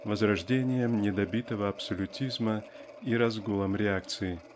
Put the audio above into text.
возрождением недобитого абсолютизма и разгулом реакции.